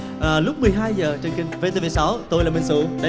à lúc mười hai giờ trên kênh vê tê vê sáu tôi là minh xù đây